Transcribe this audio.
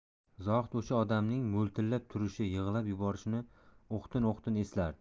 zohid o'sha odamning mo'ltillab turishi yig'lab yuborishini o'qtin o'qtin eslardi